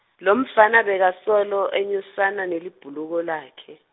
lomfana bekasolo enyusana nelibhuluko lakhe.